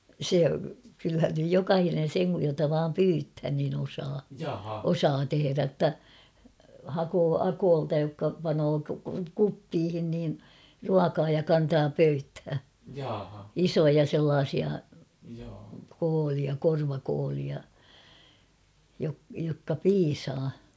se kyllähän nyt jokainen sen kun jota vain pyydetään niin osaa osaa tehdä että hakee akoilta jotka panee kuppiin niin ruokaa ja kantaa pöytään isoja sellaisia kooleja korvakooleja jotka piisaa